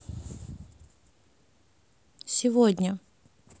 сегодня